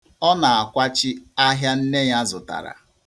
Ọ na-akwachi ahịa nne ya zụtara.